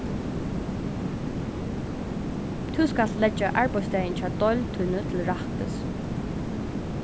tú skalt leggja arbeiðsdagin hjá deild tíni til rættis